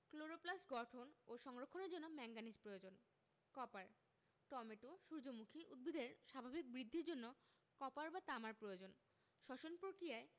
chloroplast গঠন ও সংরক্ষণের জন্য ম্যাংগানিজ প্রয়োজন কপার টমেটো সূর্যমুখী উদ্ভিদের স্বাভাবিক বৃদ্ধির জন্য কপার বা তামার প্রয়োজন শ্বসন পক্রিয়ায়